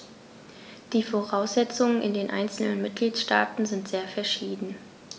Die Voraussetzungen in den einzelnen Mitgliedstaaten sind sehr verschieden.